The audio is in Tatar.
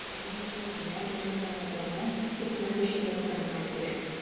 Моның өчен энә белән канатларны читкә күчереп карарга кирәк.